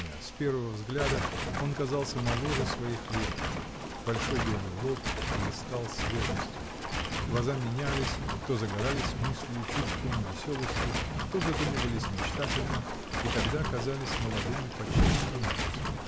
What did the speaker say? С первого взгляда он казался моложе своих лет: большой белый лоб блистал свежестью, глаза менялись, то загорались мыслию, чувством, веселостью, то задумывались мечтательно, и тогда казались молодыми, почти юношескими.